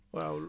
waaw